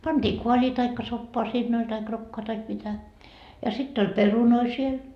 pantiin kaalia tai soppaa siinä oli tai rokkoa tai mitä ja sitten oli perunoita siellä